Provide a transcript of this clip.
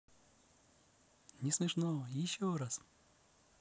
не смешно еще раз